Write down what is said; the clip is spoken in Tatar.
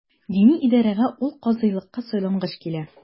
Дини идарәгә ул казыйлыкка сайлангач килә.